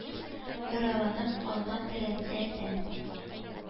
Яраланып канга төренсә дә,